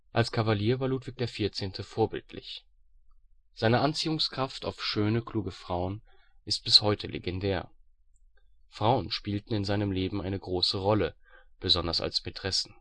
Als Kavalier war Ludwig XIV. vorbildlich. Seine Anziehungskraft auf schöne, kluge Frauen ist bis heute legendär. Frauen spielten in seinem Leben eine große Rolle, besonders als Mätressen